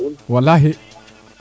walahi